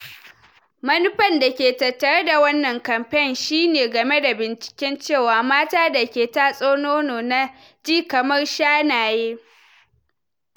Munufan dake tattare da wannan kamfen shi ne game da bincike cewa mata da ke tatso nono na ji kamar shanaye.